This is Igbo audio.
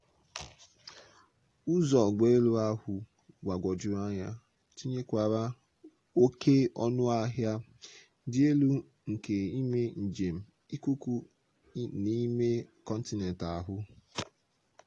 Ụzọ ụgbọelu ahụ gbagwojuru anya tinyekwara oke ọnụahịa dị elu nke ime njem ikuku n'ime kọntinent ahụ.